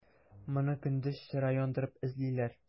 Моны көндез чыра яндырып эзлиләр.